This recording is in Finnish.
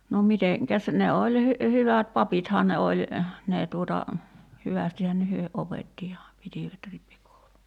no mitenkäs ne oli - hyvät papithan ne oli ne tuota hyvästihän he opetti ja pitivät rippikoulun